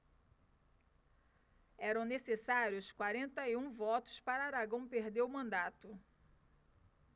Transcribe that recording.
eram necessários quarenta e um votos para aragão perder o mandato